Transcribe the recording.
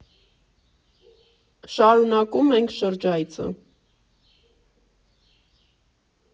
Շարունակում ենք շրջայցը։